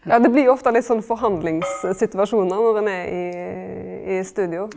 ja, det blir jo ofte litt sånn forhandlingssituasjonar når ein er i i studio.